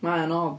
Mae o'n od.